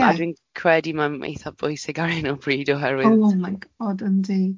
yym a dwi'n credu mae'n eitha bwysig ar hyn o bryd oherwydd... Oh my God, yndi.